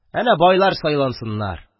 Әнә байлар сайлансыннар